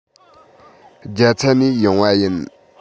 རྒྱ ཚ ནས ཡོང བ ཡིན